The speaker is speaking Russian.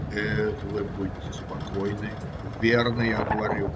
Это вы будьте спокойны, верно я говорю.